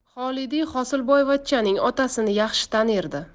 xolidiy hosilboyvachchaning otasini yaxshi tanirdi